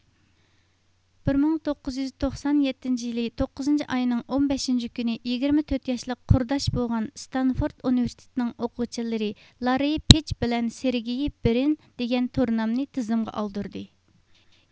بىر مىڭ توققۇز يۈز توقسان يەتتىنچى يىلى توققىزىنچى ئاينىڭ ئون بەشىنچى كۈنى يىگىرمە تۆت ياشلىق قۇرداش بولغان ستانفورد ئۇنىۋېرسىتېتىنىڭ ئوقۇغۇچىلىرى لاررىي پېچ بىلەن سېرگېي برىن دېگەن تورنامىنى تىزىمغا ئالدۇردى